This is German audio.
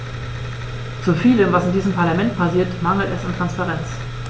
Zu vielem, was in diesem Parlament passiert, mangelt es an Transparenz.